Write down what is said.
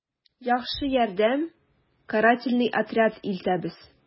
«яхшы ярдәм, карательный отряд илтәбез...»